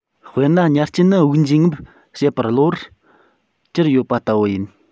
དཔེར ན ཉ རྐྱལ ནི དབུགས འབྱིན རྔུབ བྱེད པའི གློ བར གྱུར ཡོད པ ལྟ བུ ཡིན